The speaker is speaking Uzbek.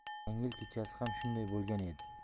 yangi yil kechasi ham shunday bo'lgan edi